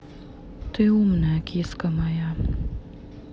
ты умная киска моя